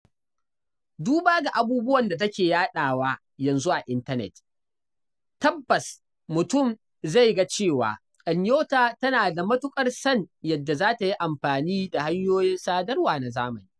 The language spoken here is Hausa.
Duba ga abubuwan da take yaɗawa yanzu a Intanet, tabbas mutum zai ga cewa, Nyota ta nada matuƙar san yadda za ta yi amfani da hanyoyin sadarwa na zamani.